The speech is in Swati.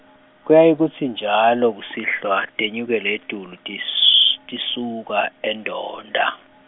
kuyaye kutsi njalo kusihlwa, tenyukele etulu tis- tisuka eNdonda.